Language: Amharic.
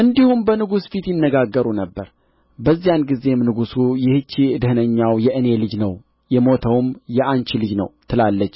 እንዲሁም በንጉሡ ፊት ይነጋገሩ ነበር በዚያን ጊዜም ንጉሡ ይህች ደኅነኛው የእኔ ልጅ ነው የሞተውም የአንቺ ልጅ ነው ትላለች